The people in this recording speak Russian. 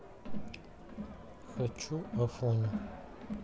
хочу афоню